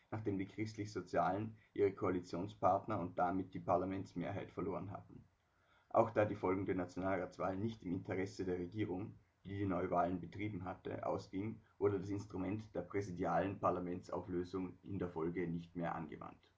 nachdem die Christlichsozialen ihre Koalitionspartner und damit die Parlamentsmehrheit verloren hatten. Auch da die folgende Nationalratswahl nicht im Interesse der Regierung – die die Neuwahlen betrieben hatte – ausging, wurde das Instrument der präsidialen Parlamentsauflösung in der Folge nicht mehr angewandt